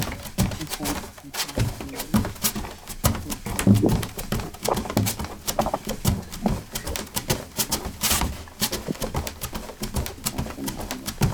Qolka gudihiisa waxaa yaalo labo boorso oo waa weyn Ku jiraan dhar caruur